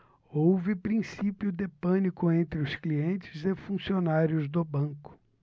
houve princípio de pânico entre os clientes e funcionários do banco